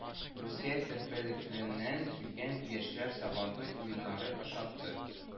Русия төрбәлекленнән килгән яшьләр Сабантуй уеннары ошатты